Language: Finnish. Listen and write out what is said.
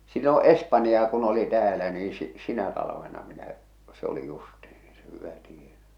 silloin espanjaa kun oli täällä niin - sinä talvena minä se oli justiin se hyvä tiena